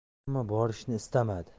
ammo borishni istamadi